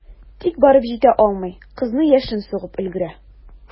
Тик барып җитә алмый, кызны яшен сугып өлгерә.